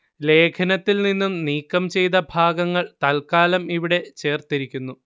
ലേഖനത്തില്‍ നിന്നും നീക്കം ചെയ്ത ഭാഗങ്ങള്‍ തല്‍ക്കാലം ഇവിടെ ചേര്‍ത്തിരിക്കുന്നു